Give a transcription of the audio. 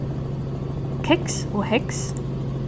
keks og heks